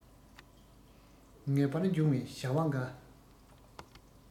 ངེས པར འབྱུང བའི བྱ བ འགའ